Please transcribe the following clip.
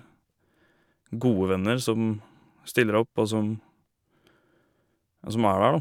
Gode venner, som stiller opp og som og som er der, da.